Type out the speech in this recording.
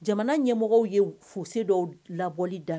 Jamana ɲɛmɔgɔ ye fo se dɔw labɔli da